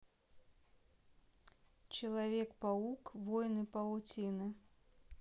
человек паук войны паутины